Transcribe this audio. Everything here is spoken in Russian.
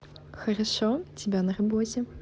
хорошо тебя на работе